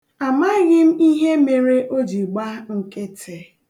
Amaghị m ihe mere o ji gba nkịtị.